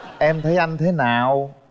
em thấy anh thế nào